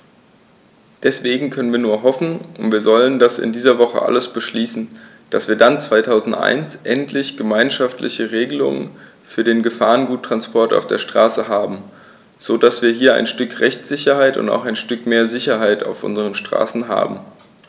Deswegen können wir nur hoffen - und wir sollten das in dieser Woche alles beschließen -, dass wir dann 2001 endlich gemeinschaftliche Regelungen für den Gefahrguttransport auf der Straße haben, so dass wir hier ein Stück Rechtssicherheit und auch ein Stück mehr Sicherheit auf unseren Straßen haben.